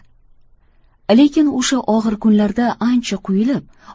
lekin o'sha og'ir kunlarda ancha quyilib